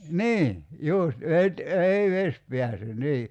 niin just - ei vesi pääse niin